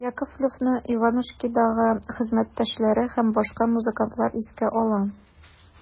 Яковлевны «Иванушки»дагы хезмәттәшләре һәм башка музыкантлар искә ала.